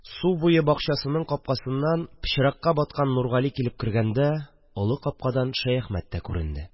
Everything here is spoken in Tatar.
Су буе бакчасының капкасыннан пычракка баткан Нургали килеп кергәндә олы капкадан Шәяхмәт тә күренде